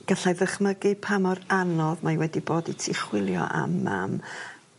Gallai ddychmygu pa mor anodd mae wedi bod i ti chwilio am mam